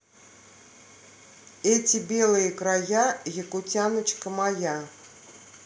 эти белые края якутяночка моя